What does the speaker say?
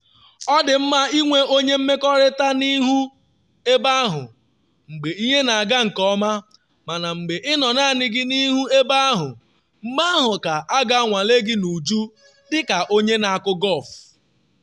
Ọ dị mma inwe onye mmekọrịta n’ihu ebe ahụ mgbe ihe na-aga nke ọma, mana mgbe ịnọ naanị gị n’ihu ebe ahụ, mgbe ahụ ka a ga-anwale gị n’uju dịka onye na-akụ gọlfụ.